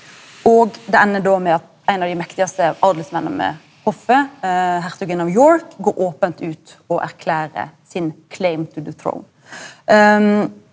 og det endar då med at ein av dei mektigaste adelsmennene ved hoffet hertugen av York går opent ut og erklærer sin .